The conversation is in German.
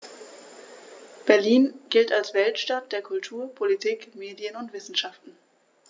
Berlin gilt als Weltstadt der Kultur, Politik, Medien und Wissenschaften.